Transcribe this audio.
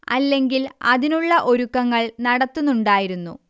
അല്ലെങ്കിൽ അതിനുള്ള ഒരുക്കങ്ങൾ നടത്തുന്നുണ്ടായിരുന്നു